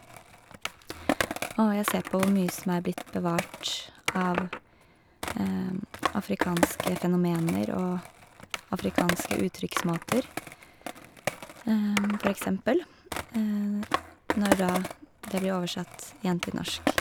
Og jeg ser på hvor mye som er blitt bevart av afrikanske fenomener og afrikanske uttrykksmåter, for eksempel, når da, det blir oversatt igjen til norsk.